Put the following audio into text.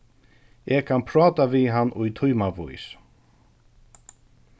eg kann práta við hann í tímavís